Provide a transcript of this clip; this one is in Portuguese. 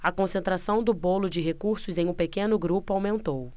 a concentração do bolo de recursos em um pequeno grupo aumentou